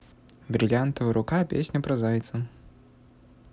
бриллиантовая рука песня про зайца